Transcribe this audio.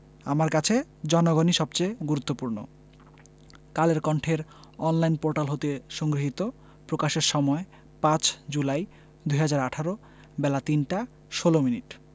আমার কাছে জনগণই সবচেয়ে গুরুত্বপূর্ণ কালের কন্ঠের অনলাইন পোর্টাল হতে সংগৃহীত প্রকাশের সময় ৫ জুলাই ২০১৮ বেলা ৩টা ১৬ মিনিট